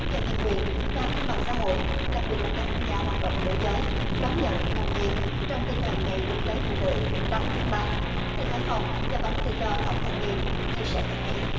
cho nhân quyền và công bằng xã hội đặc biệt là các nhà hoạt động nữ giới đón nhận nồng nhiệt trong tinh thần ngày quốc tế phụ nữ tám tháng ba từ hải phòng nhà báo tự do phạm thanh huyền chia sẻ cảm nghĩ